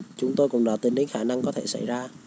chúng tôi cũng đã tính đến khả năng có thể xảy ra